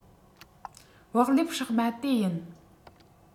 བག ལེབ བསྲེགས མ དེ ཡིན